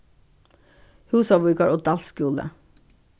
húsavíkar og dals skúli